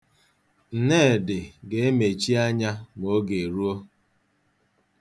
Nnedị ga-emechi anya ma oge ruo.